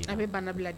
An bɛ bana bila kɛ